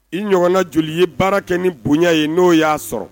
I ɲɔgɔnna joli ye baara kɛ ni bonya ye n'o y'a sɔrɔ